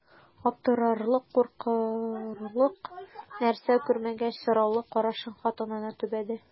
Аптырарлык, куркырлык нәрсә күрмәгәч, сораулы карашын хатынына төбәде.